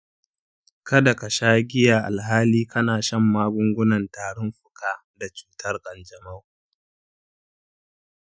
ka da ka sha giya alhali kana shan magungunan tarin fuka da cutar ƙanjamau.